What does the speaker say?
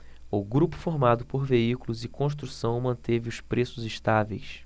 o grupo formado por veículos e construção manteve os preços estáveis